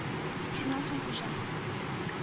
Шуннан соң Хуҗа: